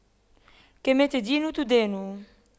كما تدين تدان